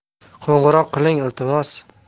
qo'ng'iroq qiling iltimos